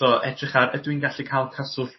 so edrych ar ydw i'n gallu ca'l caswfft